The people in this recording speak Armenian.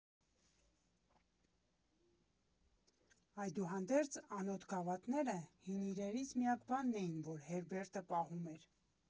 Այդուհանդերձ անոտ գավաթները հին իրերից միակ բանն էին, որ Հերբերտը պահում էր։